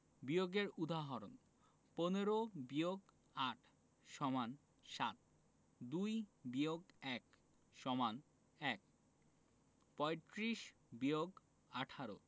বিয়োগের উদাহরণ ১৫ - ৮ = ৭ ২ - ১ =১ ৩৫ - ১৮